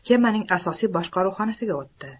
kemaning asosiy boshqaruv xonasiga kirdi